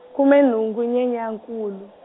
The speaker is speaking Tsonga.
khume nhungu Nyenyankulu.